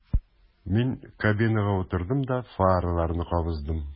Мин кабинага утырдым да фараларны кабыздым.